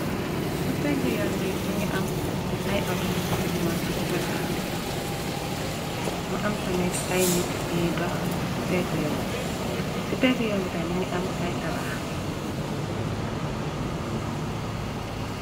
Ci peggii yoon bi mingi am ay oto yu mag yu fa taxaw, mu am tamit ay nit yiy dox ci peggii yoon bi. Ci peggii yoon bi tamit mingi am ay tabax.